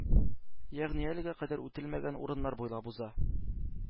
Ягъни әлегә кадәр үтелмәгән урыннар буйлап уза.